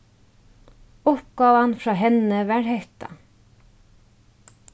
uppgávan frá henni var hetta